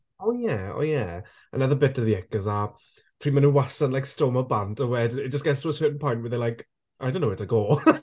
O ie o ie. Another bit of the ick is that pryd mae nhw wastad like stormio bant a wed- it just gets to a certain point where they're like "I don't know where to go."